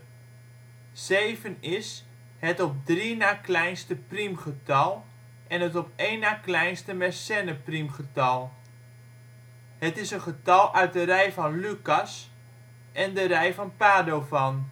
Zeven is: het op drie na kleinste priemgetal, en het op één na kleinste Mersennepriemgetal. het is een getal uit de rij van Lucas en de rij van Padovan